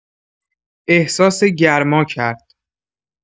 احساس گرما کرد.